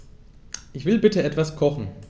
Ich will bitte etwas kochen.